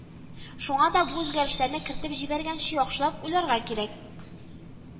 Шуңа да бу үзгәрешләрне кертеп җибәргәнче яхшылап уйларга кирәк